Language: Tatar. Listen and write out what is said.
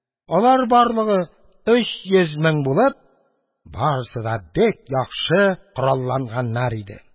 Алар, барлыгы өч йөз мең булып, барысы да бик яхшы коралланганнар иде.